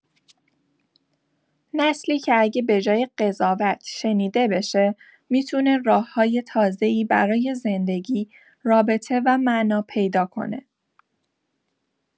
نسلی که اگه به‌جای قضاوت، شنیده بشه، می‌تونه راه‌های تازه‌ای برای زندگی، رابطه و معنا پیدا کنه.